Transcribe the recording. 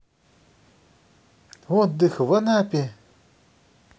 отдых в анапе